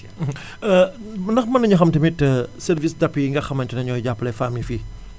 ndax mën nañu xam tamit service d appui yi nga xamante ne ñooy jàppale femme yi fii